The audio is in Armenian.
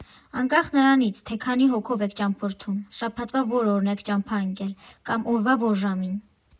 Անկախ նրանից, թե քանի հոգով եք ճամփորդում, շաբաթվա որ օրն եք ճամփա ընկել, կամ օրվա որ ժամին։